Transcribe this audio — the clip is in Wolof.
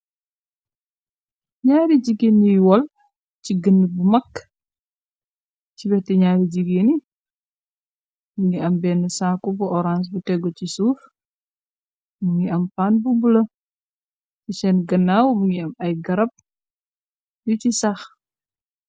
Naari jigeen yiy wol ci gën bu magk ci weti gñaari jigeeni mu ngi am benn saaku bu orance bu teggu ci suuf mu ngi am pann bu bula ci sen ganaaw mu ngi am ay garab yu ci saax.